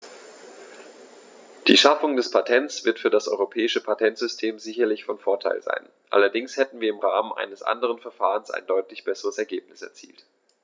Die Schaffung des Patents wird für das europäische Patentsystem sicherlich von Vorteil sein, allerdings hätten wir im Rahmen eines anderen Verfahrens ein deutlich besseres Ergebnis erzielt.